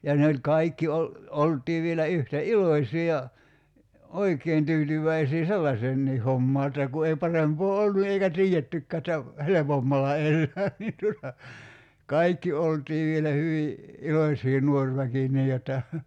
ja ne oli kaikki - oltiin vielä yhtä iloisia ja oikein tyytyväisiä sellaiseenkin hommaan että kun ei parempaa ollut eikä tiedettykään että helpommalla elää niin tuota kaikki oltiin vielä hyvin iloisia nuori väki niin jotta